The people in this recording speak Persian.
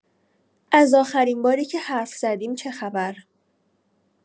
از آخرین باری که حرف زدیم چه‌خبر؟